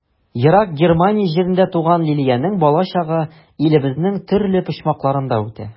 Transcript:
Ерак Германия җирендә туган Лилиянең балачагы илебезнең төрле почмакларында үтә.